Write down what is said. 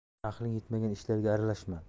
aqling yetmagan ishlarga aralashma